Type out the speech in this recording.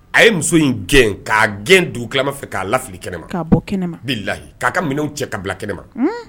A ye muso in gɛn k'a gɛn duguma fɛ k'a lafifili kɛnɛ ma'a bɔ kɛnɛlayi'a ka minɛnw cɛ kabila bila kɛnɛ ma